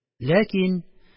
Ләкин.